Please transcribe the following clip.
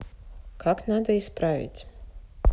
как надо исправить